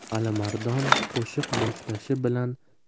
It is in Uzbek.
alimardon qo'shiq boshlashi bilan